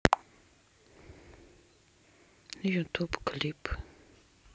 ютуб клипы